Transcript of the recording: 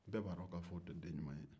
bɛɛ b'a dɔn k'a fɔ o tɛ den ɲuman ye